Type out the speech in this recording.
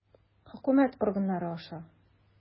Хөкүмәт органнары аша.